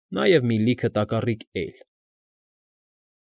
Նաև մի լիքը տակառիկ էյլ։